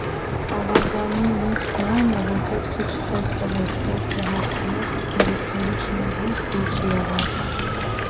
Ավազանի միտքն այն է, որ պետք է չխեղդվես, պետք է հասցնես գիտելիքներիդ շնորհիվ դուրս լողալ։